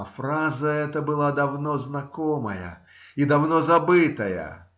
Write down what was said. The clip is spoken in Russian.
А фраза эта была давно знакомая и давно забытая.